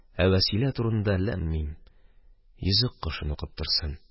Ә Вәсилә турында ләм-мим, йөзек кашын укып торсын